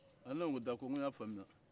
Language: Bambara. ne ko ko dakɔre n ko n y'a faamuya